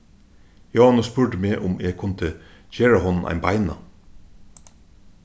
jóannes spurdi meg um eg kundi gera honum ein beina